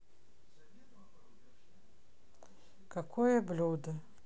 какое блюдо